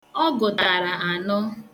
Ọ gụtara anọ.